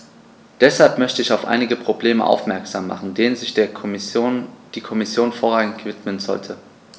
Deshalb möchte ich auf einige Probleme aufmerksam machen, denen sich die Kommission vorrangig widmen sollte.